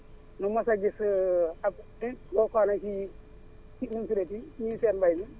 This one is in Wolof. ñu mos a gis * des fois nag ci ci nu mu tuddati ministère mbay mi